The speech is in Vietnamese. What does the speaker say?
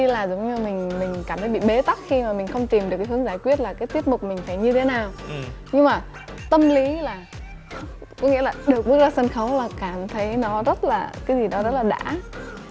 như là giống như mình mình cảm bị thấy bế tắc khi mà mình không tìm được hướng giải quyết là cái tiết mục mình phải như thế nào nhưng mà tâm lý là có nghĩa là được bước ra sân khấu và cảm thấy nó rất là cái gì đó rất là đã